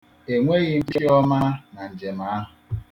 E nweghị m chiọma na njem ahụ.